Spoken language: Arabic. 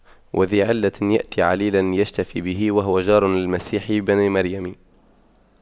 وذى علة يأتي عليلا ليشتفي به وهو جار للمسيح بن مريم